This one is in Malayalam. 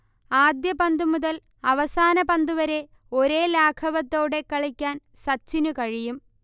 ആദ്യ പന്തുമുതൽ അവസാന പന്തുവരെ ഒരേ ലാഘവത്തോടെ കളിക്കാൻ സച്ചിനു കഴിയും